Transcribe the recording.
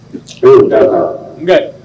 Tan n